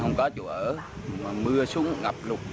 không có chỗ ở mà mưa xuống ngập lụt